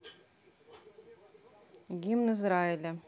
гимн израиля